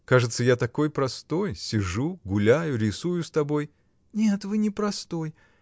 кажется, я такой простой: сижу, гуляю, рисую с тобой. — Нет, вы не простой.